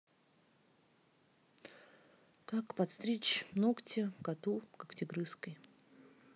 как подстричь ногти коту когтегрызкой